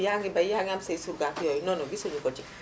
yaa ngi bay yaa ngi am say surga ak yooyu non non gisuñu ko ci